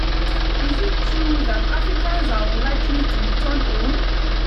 Is it true that Africans are unlikely to return home?